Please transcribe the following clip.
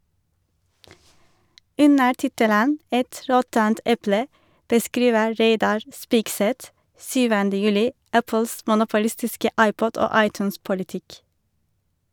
Under tittelen «Et råttent eple» beskriver Reidar Spigseth 7. juli Apples monopolistiske iPod- og iTunes-politikk.